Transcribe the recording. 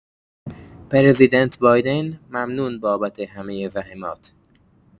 پرزیدنت بایدن ممنون بابت همۀ زحمات.